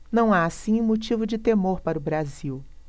não há assim motivo de temor para o brasil